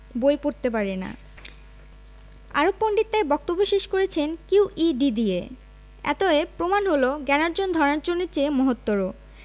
বই পড়তে পারে না আরব পণ্ডিত তাই বক্তব্য শেষ করেছেন কিউ ই ডি দিয়ে অতএব সপ্রমাণ হল জ্ঞানার্জন ধনার্জনের চেয়ে মহত্তর